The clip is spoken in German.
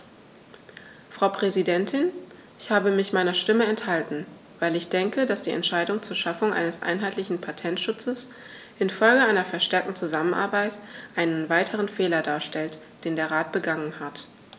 Frau Präsidentin, ich habe mich meiner Stimme enthalten, weil ich denke, dass die Entscheidung zur Schaffung eines einheitlichen Patentschutzes in Folge einer verstärkten Zusammenarbeit einen weiteren Fehler darstellt, den der Rat begangen hat.